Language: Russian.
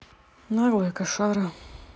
наглая кошара